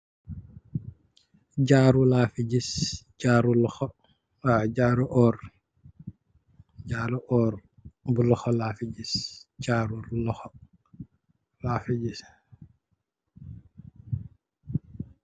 Jaaru lafe giss jaaru loho waw jaaru orr, jaaru Orr bu loho lafe giss, jaaru bu loho lafe giss.